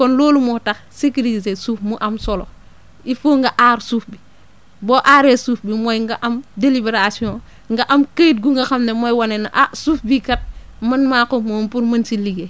kon loolu moo tax sécuriser suuf mu am solo il faut nga aar suuf bi boo aaree suuf bi mooy nga am délibération nga am këyit gu nga xam ne mooy wane ne ah suuf bii kat man maa ko moom pour mën si liggéey